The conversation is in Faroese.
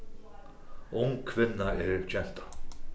ung kvinna er genta